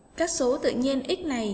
các số tự nhiên x là